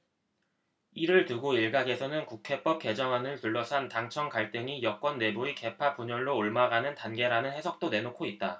이를 두고 일각에서는 국회법 개정안을 둘러싼 당청 갈등이 여권 내부의 계파 분열로 옮아가는 단계라는 해석도 내놓고 있다